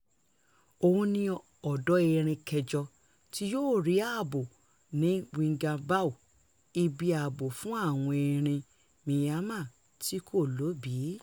Òhun ni ọ̀dọ̀ erin kẹjọ tí yóò rí ààbò ní Wingabaw, ibi ààbò fún àwọn erin Myanmar tí kò lóbìí.